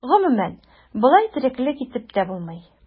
Гомумән, болай тереклек итеп тә булмый.